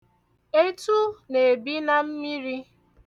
Etu na-ebi na mmiri.